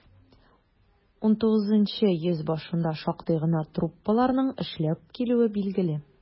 XIX йөз башында шактый гына труппаларның эшләп килүе билгеле.